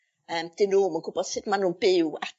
yy 'dyn nw'm yn gwbod sut ma' nw'n byw adra